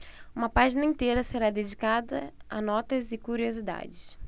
uma página inteira será dedicada a notas e curiosidades